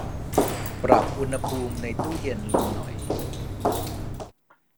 ปรับอุณหภูมิในตู้เย็นลงหน่อย